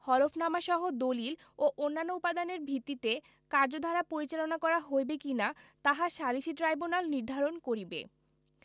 হলফনামাসহ দলিল ও অন্যান্য উপাদানের ভিত্তিতে কার্যধারা পরিচালনা করা হইবে কিনা তাহা সালিসী ট্রাইব্যুনাল নির্ধারণ করিবে